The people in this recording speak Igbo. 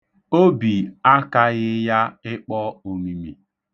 Obi akaghị ya ịkpọ omimi.